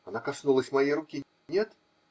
Она коснулась моей руки: -- Нет?